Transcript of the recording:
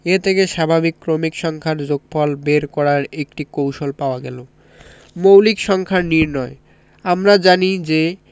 এ থেকে স্বাভাবিক ক্রমিক সংখ্যার যোগফল বের করার একটি কৌশল পাওয়া গেল মৌলিক সংখ্যা নির্ণয় আমরা জানি যে